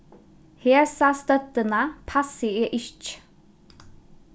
hesa støddina passi eg ikki